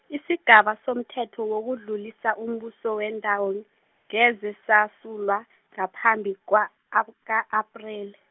isigaba somthetho wokudlulisa umbuso wendawo, ngeze sasulwa, ngaphambi kwa- -aka-Apreli.